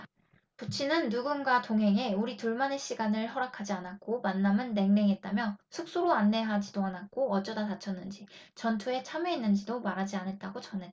부친은 누군가 동행해 우리 둘만의 시간을 허락하지 않았고 만남은 냉랭했다며 숙소로 안내하지도 않았고 어쩌다 다쳤는지 전투에 참여했는지도 말하지 않았다고 전했다